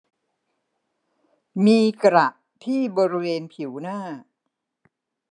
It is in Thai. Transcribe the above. มีกระที่บริเวณผิวหน้า